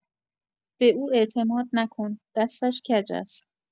به او اعتماد نکن، دستش کج است.